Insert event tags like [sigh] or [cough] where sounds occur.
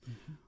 [hesitation] [hesitation]